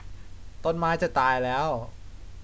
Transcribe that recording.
ต้นไม้จะตายแล้ว